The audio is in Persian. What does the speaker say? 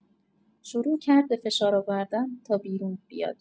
شروع کرد به فشار آوردن تا بیرون بیاد.